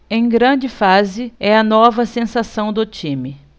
em grande fase é a nova sensação do time